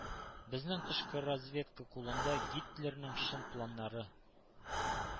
«безнең тышкы разведка кулында гитлерның чын планнары